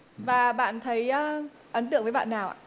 và bạn thấy a ấn tượng với bạn nào ạ